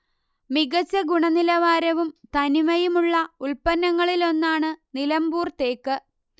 മികച്ച ഗുണനിലവാരവും തനിമയുമുള്ള ഉൽപ്പന്നങ്ങളിലൊന്നാണ് നിലമ്പൂർ തേക്ക്